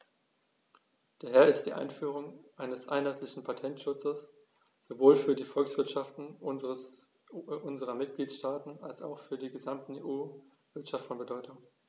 Daher ist die Einführung eines einheitlichen Patentschutzes sowohl für die Volkswirtschaften unserer Mitgliedstaaten als auch für die gesamte EU-Wirtschaft von Bedeutung.